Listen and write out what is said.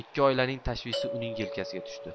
ikki oilaning tashvishi uning yelkasiga tushdi